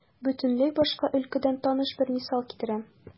Бөтенләй башка өлкәдән таныш бер мисал китерәм.